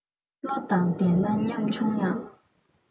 བློ དང ལྡན ན ཉམ ཆུང ཡང